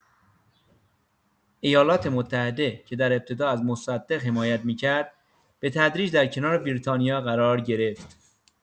ایالات‌متحده که در ابتدا از مصدق حمایت می‌کرد، به‌تدریج در کنار بریتانیا قرار گرفت.